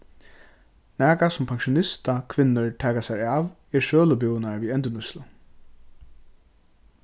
nakað sum pensjonistakvinnur taka sær av er sølubúðirnar við endurnýtslu